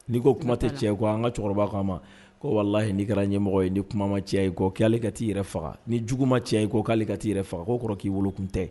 N'ii k'o kuma tɛ tiɲɛn ye an ka cɛkɔrɔba k'an ma ko wallahi n'i kɛra ɲɛmɔgɔ ye , ni kuma ma caaya i kɔ. Ko hali i ka t'i yɛrɛ faga ni jugu ma caa ya i ko hali i ka t'i yɛrɛ faga k'o kɔrɔ ye k'i wolokun tɛ.